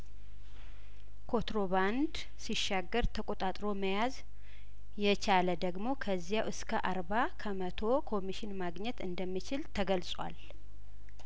ኮንትሮባንድ ሲሻገር ተቆጣጥሮ መያዝ የቻለደግሞ ከዚያው እስከአርባ ከመቶ ኮሚሽን ማግኘት እንደሚችል ተገልጿል